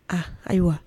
A ayiwa